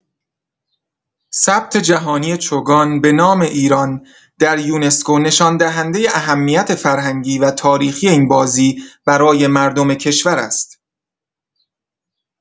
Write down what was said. ثبت جهانی چوگان به نام ایران در یونسکو نشان‌دهنده اهمیت فرهنگی و تاریخی این بازی برای مردم کشور است.